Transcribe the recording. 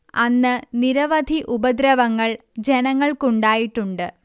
അന്ന് നിരവധി ഉപദ്രവങ്ങൾ ജനങ്ങൾക്കുണ്ടായിട്ടുണ്ട്